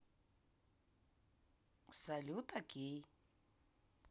salute ок